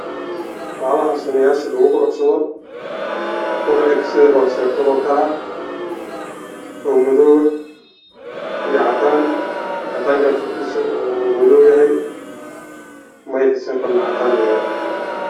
Meeshaan waxaa ka muuqdo bahalaha indhaha lagu quruxsado